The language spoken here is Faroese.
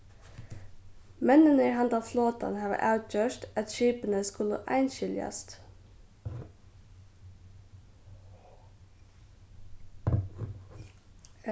menninir handan flotan hava avgjørt at skipini skulu einskiljast